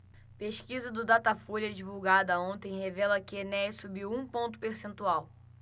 pesquisa do datafolha divulgada ontem revela que enéas subiu um ponto percentual